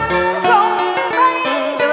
trọn vẹn